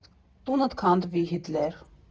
Տունդ քանդվի Հիտլեր։